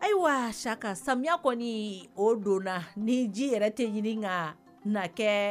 Ayiwa saka samiya kɔni o donna . Ni ji yɛrɛ ti ɲini ka na kɛ